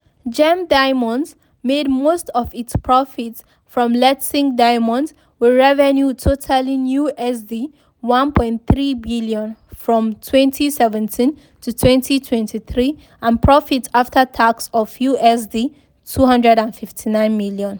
GEM Diamonds made most of its profits from Letšeng Diamonds, with revenue totalling USD 1.3 billion from 2017 to 2023 and profits after tax of USD 259 million.